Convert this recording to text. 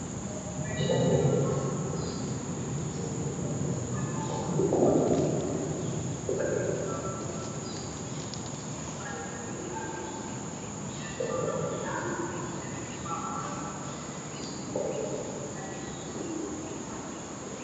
Meeshaan waa qol waxaa yaalo miis cadaan ah kuraastu waa madow fadhiga waa qalin mugdi ah leyrku waa qalin iyo cadaan darbigu waa cadaan iyo cadeys. Mutuleelkana waa madow iyo cadaan.